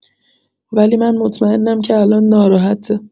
ولی من مطمئنم که الان ناراحته